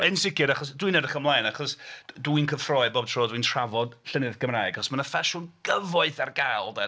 Yn sicr, achos dwi'n edrych ymlaen, achos dwi'n cyffroi bob tro dwi'n trafod llenyddiaeth Gymraeg, 'chos ma' 'na ffasiwn gyfoeth ar gael de.